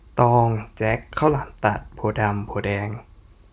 ตองแจ็คข้าวหลามตัดโพธิ์ดำโพธิ์แดง